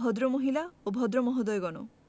ভদ্রমহিলা ও ভদ্রমহোদয়গণ